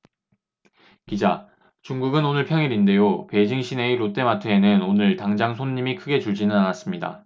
기자 중국은 오늘 평일인데요 베이징 시내의 롯데마트에는 오늘 당장 손님이 크게 줄지는 않았습니다